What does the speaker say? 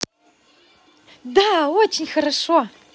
да очень хорошо